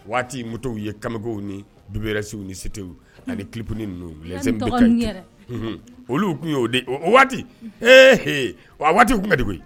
Waati motow ye kamalenbaww ni dugu wɛrɛ segu ni setew ani kipuni ninnu olu tun'o waati h h waati tun ka de koyi yen